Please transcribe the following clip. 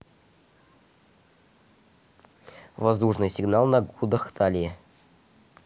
воздушный сигнал на кудахтали